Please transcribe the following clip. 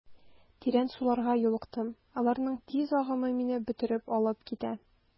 Тирән суларга юлыктым, аларның тиз агымы мине бөтереп алып китә.